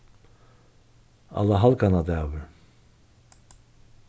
allahalgannadagur